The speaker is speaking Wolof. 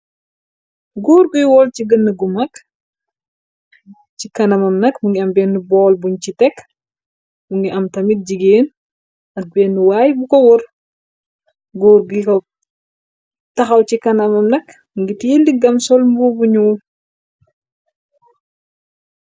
Góor guy wol ci gën gu mag , ci kana mam nak mu ngi am bénn bool buñ ci tekk, mu ngi am tamit jigéen ak bénn waay bu ko wor, góor guy ko taxaw ci kanamam nak, mungi tei yi diggam sol mbuo bu ñuul.